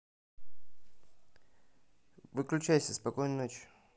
выключайся спокойной ночи